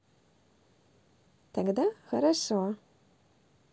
тогда хорошо